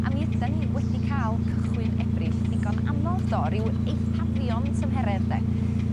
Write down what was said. A mi ydan ni wedi ca'l cychwyn Ebrill digon anodd do ryw eithafion tymheredd 'de?